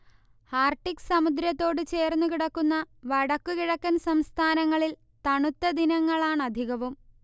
Arctic സമുദ്രത്തോട് ചേർന്നുകിടക്കുന്ന വടക്കു കിഴക്കൻ സംസ്ഥാനങ്ങളിൽ തണുത്ത ദിനങ്ങളാണധികവും